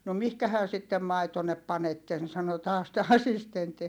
no mihinkähän sitten maitonne panette sanoi taas tämä assistentti